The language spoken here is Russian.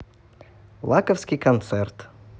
лаковский концерт